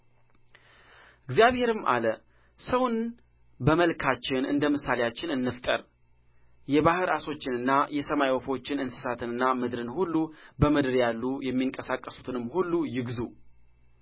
እግዚአብሔርም አለ ሰውን በመልካችን እንደ ምሳሌአችን እንፍጠር የባሕር ዓሦችንና የሰማይ ወፎችን እንስሳትንና ምድርን ሁሉ በምድር ላይ የሚንቀሳቀሱትንም ሁሉ ይግዙ